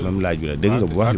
même laaj bi la dégg nga bu baax de